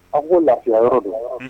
Aw ko lafiya yɔrɔ bila wa